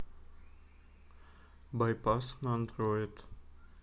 bypass на андроид